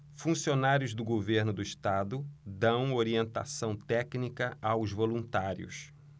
funcionários do governo do estado dão orientação técnica aos voluntários